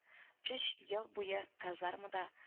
Өч ел буе казармада